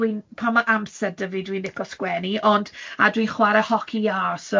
So wi'n pan ma' amser 'da fi dwi'n licio sgwennu, ond a dwi'n chwara' hoci îa,